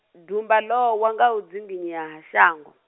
dumba lowa nga u dzinginyea ha shango.